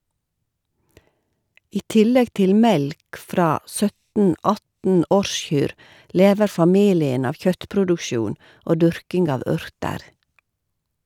I tillegg til melk fra 17- 18 årskyr, lever familien av kjøttproduksjon og dyrking av urter.